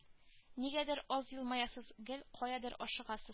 Нигәдер аз елмаясыз гел каядыр ашыгасыз